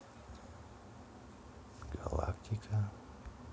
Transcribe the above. галактика